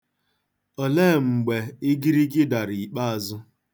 Olee mgbe igirigi dara ikpeazụ?